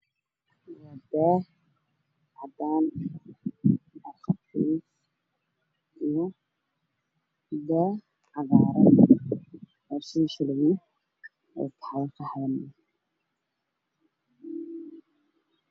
Waa qol midifkiisu yahay dahabi in ayaa ku xiran bidafkoodu yahay dahabi lku waa matoleyn daaqada waa midow